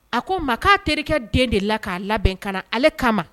A ko ma k'a terikɛ den de la k'a labɛnk na ale kama